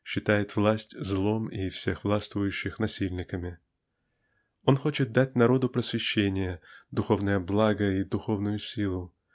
считает власть--злом и всех властвующих -- насильниками. Он хочет дать народу просвещение духовные блага и духовную силу